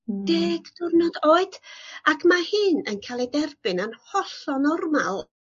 Deg diwrnod oed! Ac ma' hyn yn ca'l ei derbyn yn hollol normal